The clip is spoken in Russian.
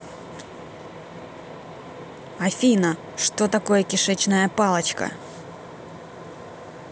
афина что такое кишечная палочка